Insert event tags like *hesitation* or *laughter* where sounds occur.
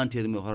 *hesitation* *hesitation*